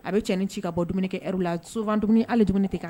A bɛ cɛnin ci ka bɔ dumuni kɛ yɔrɔ la souvent hali dumuni tɛ ka ɲɛna.